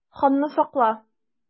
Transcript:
Ханны сакла!